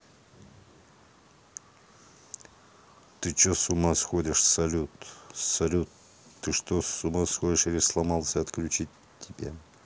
ты че с ума сходишь салют салют ты что с ума сходишь или сломался отключить тебя